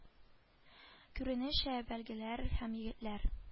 Күренеш ә вәлгеләр һәм егетләр